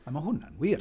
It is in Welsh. A ma' hwnna'n wir.